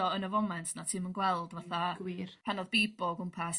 o yn y foment na ti'm yn gweld fatha... Gwir. ...pan o'dd Bebo o gwmpas